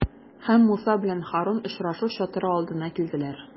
Һәм Муса белән Һарун очрашу чатыры алдына килделәр.